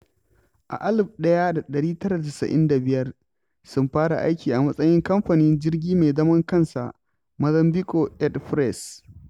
A 1995, sun fara aiki a matsayin kamfanin jirgi mai zaman kansa, Mozambiƙue Eɗpress.